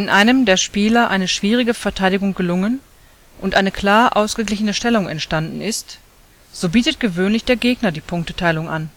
einem der Spieler eine schwierige Verteidigung gelungen und eine klar ausgeglichene Stellung entstanden ist, so bietet gewöhnlich der Gegner die Punkteteilung an